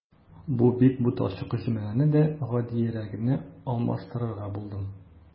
Бу бик буталчык җөмләне дә гадиерәгенә алмаштырырга булдым.